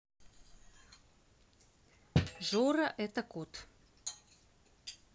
жора это кот